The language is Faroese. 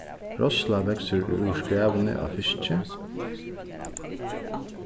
roðsla veksur úr skræðuni á fiski